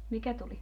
mikä tuli